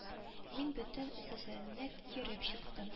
Мин бөтен сссрны йөреп чыктым